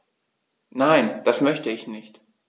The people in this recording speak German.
Nein, das möchte ich nicht.